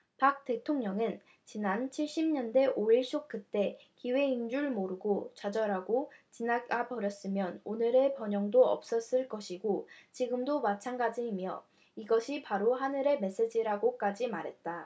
박 대통령은 지난 칠십 년대 오일쇼크 때 기회인 줄 모르고 좌절하고 지나가버렸으면 오늘의 번영도 없었을 것이고 지금도 마찬가지이며 이것이 바로 하늘의 메시지라고까지 말했다